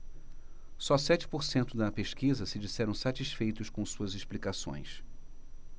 só sete por cento na pesquisa se disseram satisfeitos com suas explicações